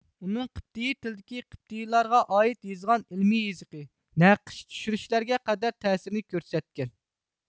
ئۇنىڭ قېبتىي تىلىدىكى قېبتىيلارغا ئائىت يىزىلغان ئىلمى يىزىقى نەقىش چۈشۈرۈشلەرگە قەدەر تەسىرىنى كۆرسەتكەن